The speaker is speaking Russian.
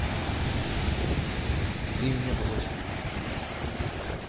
ты меня бросила